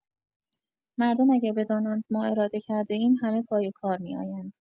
مردم اگر بدانند ما اراده کرده‌ایم همه پای کار می‌آیند.